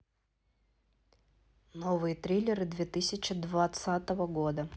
новые триллеры две тысячи двадцатого года